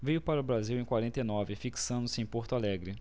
veio para o brasil em quarenta e nove fixando-se em porto alegre